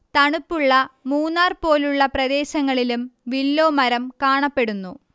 തണുപ്പുള്ള മൂന്നാർ പോലുള്ള പ്രദേശങ്ങളിലും വില്ലൊ മരം കാണപ്പെടുന്നു